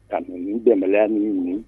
Ka ninnu dɛmɛya ninnu ɲini